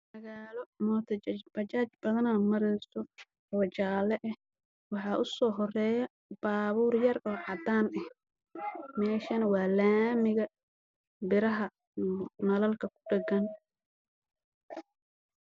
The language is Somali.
Waa wado laami ah waxaa saaid umaraayo bajaaj